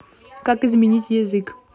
как изменить язык